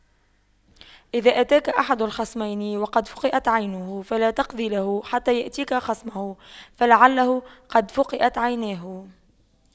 إذا أتاك أحد الخصمين وقد فُقِئَتْ عينه فلا تقض له حتى يأتيك خصمه فلعله قد فُقِئَتْ عيناه